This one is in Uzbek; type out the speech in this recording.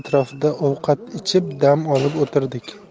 atrofida ovqat ichib dam olib o'tirdik